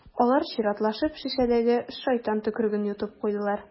Алар чиратлашып шешәдәге «шайтан төкереге»н йотып куйдылар.